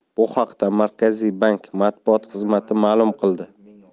bu haqda markaziy bank matbuot xizmati ma'lum qildi